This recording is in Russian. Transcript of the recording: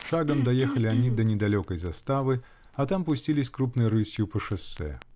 Шагом доехали они до недалекой заставы, а там пустились крупной рысью по шоссе.